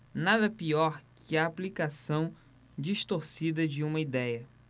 nada pior que a aplicação distorcida de uma idéia